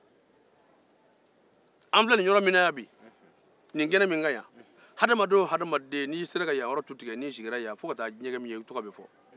an bɛ nin yɔrɔ min na yan nin ye ni hadamaden fɛn o fɛn ye yan tu tigɛ k'i sigi yan i tɔgɔ be fɔ